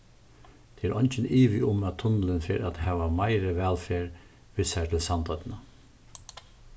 tað er eingin ivi um at tunnilin fer at hava meiri vælferð við sær til sandoynna